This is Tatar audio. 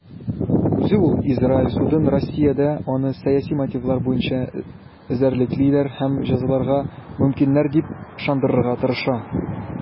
Үзе ул Израиль судын Россиядә аны сәяси мотивлар буенча эзәрлеклиләр һәм җәзаларга мөмкиннәр дип ышандырырга тырыша.